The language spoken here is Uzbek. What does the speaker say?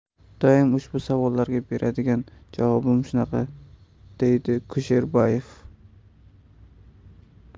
doim ushbu savollarga beradigan javobim shunaqa deydi kusherbayev